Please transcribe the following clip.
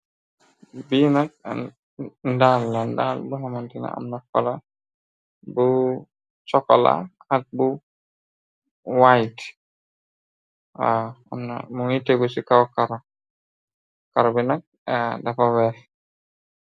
bi nak ndaal la ndaal bu xnamantani am na kola bu cokola at bu weex mu ngi tegu ci kawa karo karo bi nag dafa weex.